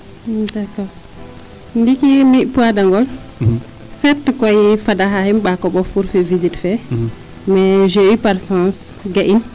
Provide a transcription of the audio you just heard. i d' accord ndiiki mi poids Dangol sept koy xaye a fada Mbako MBof pour fi visite fee mais j' ai eu par chance ga'in